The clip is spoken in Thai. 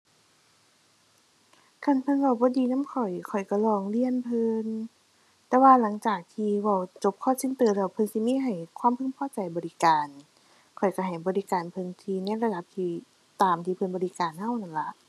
คันเพิ่นเว้าบ่ดีนำข้อย ข้อยกะร้องเรียนเพิ่น แต่ว่าหลังจากที่เว้าจบ call center แล้ว เพิ่นสิมีให้ความพึงพอใจบริการ ข้อยก็ให้บริการเพิ่นที่ ในระดับที่ ตามที่เพิ่นบริการก็นั่นล่ะ